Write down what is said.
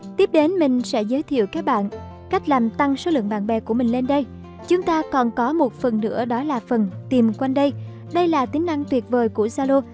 tiếp đến mình sẽ giới thiệu các bạn cách làm tăng số lượng bạn bè của mình lên đây chúng ta còn có phần nữa đó là phần tìm quanh đây đây là tính năng tuyệt vời của zalo